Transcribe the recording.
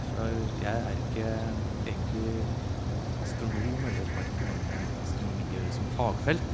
For jeg er ikke egentlig astronom eller har ikke noe med astronomi å gjøre som fagfelt.